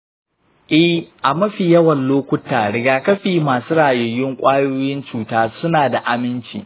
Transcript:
eh, a mafi yawan lokuta rigakafi masu rayayyun ƙwayoyin cuta suna da aminci.